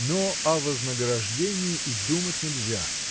но о вознаграждении и думать нельзя.